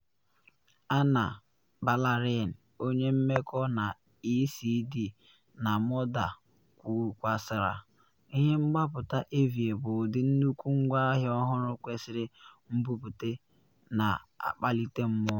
Ana Balarin, onye mmeko na ECD na Mother kwukwasara: “Ihe Mgbaputa Elvie bụ ụdị nnukwu ngwaahịa ọhụrụ kwesịrị mbupute na akpalite mmụọ.